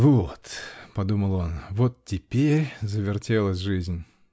"Вот, -- подумал он, -- вот теперь завертелась жизнь!